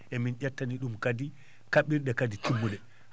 emin ƴettani ɗum kadi kaɓirɗe kadi timmuɗe